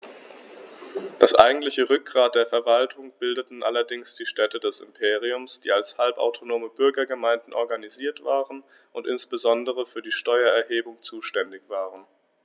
Das eigentliche Rückgrat der Verwaltung bildeten allerdings die Städte des Imperiums, die als halbautonome Bürgergemeinden organisiert waren und insbesondere für die Steuererhebung zuständig waren.